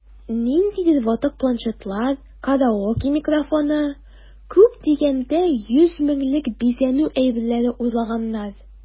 Ниндидер ватык планшетлар, караоке микрофоны(!), күп дигәндә 100 меңлек бизәнү әйберләре урлаганнар...